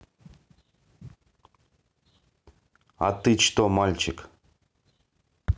а ты что мальчик